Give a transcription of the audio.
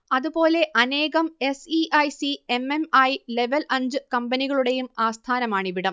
അതുപോലെ അനേകം S E I C M M I level അഞ്ച് കമ്പനികളുടെയും ആസ്ഥാനമാണിവിടം